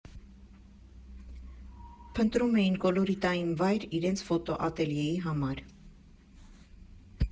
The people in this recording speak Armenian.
Փնտրում էին կոլորիտային վայր իրենց ֆոտոատելյեի համար։